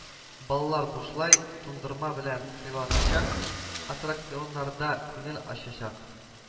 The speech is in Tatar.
Балалар бушлай туңдырма белән сыйланачак, аттракционнарда күңел ачачак